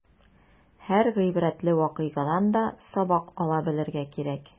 Һәр гыйбрәтле вакыйгадан да сабак ала белергә кирәк.